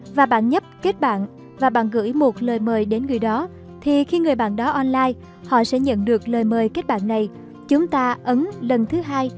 và bạn nhấp kết bạn và bạn gửi lời mời đến người đó thì khi người bạn đó online họ sẽ nhận được lời mời kết bạn này chúng ta ấn lần thứ